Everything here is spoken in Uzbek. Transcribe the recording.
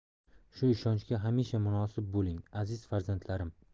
shu ishonchga hamisha munosib bo'ling aziz farzandlarim